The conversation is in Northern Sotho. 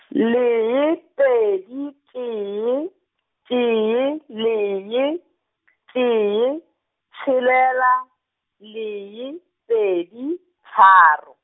lee, pedi, tee, tee, lee , tee, tshelela, lee, pedi, tharo.